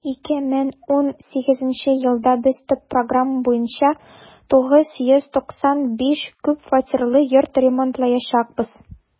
2018 елда без төп программа буенча 995 күп фатирлы йорт ремонтлаячакбыз.